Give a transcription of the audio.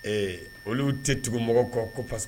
Ee olu tɛ tugu mɔgɔ kan ko pa